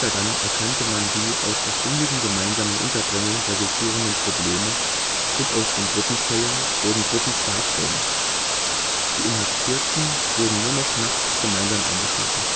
dann erkannte man die aus der ständigen gemeinsamen Unterbringung resultierenden Probleme, und aus den Gruppenzellen wurden Gruppenschlafräume. Die Inhaftierten wurden nur noch nachts gemeinsam eingeschlossen